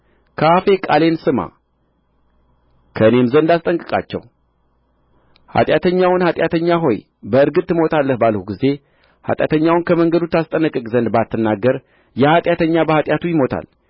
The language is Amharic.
ከአፌ ቃሌን ስማ ከእኔም ዘንድ አስጠንቅቃቸው ኃጢአተኛውን ኃጢአተኛ ሆይ በእርግጥ ትሞታለህ ባልሁ ጊዜ ኃጢአተኛውን ከመንገዱ ታስጠነቅቅ ዘንድ ባትናገር ያ ኃጢአተኛ በኃጢአቱ ይሞታል